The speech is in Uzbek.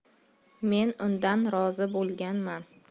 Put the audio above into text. men undan rozi bo'lganman